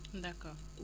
d' accord